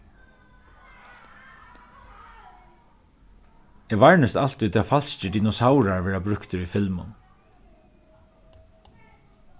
eg varnist altíð tá falskir dinosaurar verða brúktir í filmum